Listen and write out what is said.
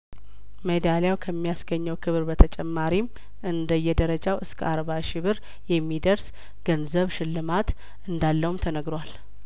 ሜዳሊያው ከሚያስ ገኘው ክብር በተጨማሪም እንደየደረጃው እስከአርባ ሺህ ብር የሚደርስ የገንዘብ ሽልማት እንዳለውም ተነግሯል